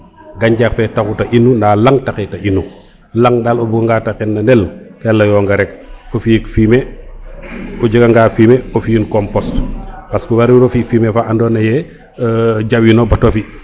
gancax fe taxu te inu nda laŋ taxe te inu laŋ dal o buga nga te xena den ke leyonga rek o jega nga fumier o fi in compose parce que wariro fi fumier fa ando naye jawino bata fi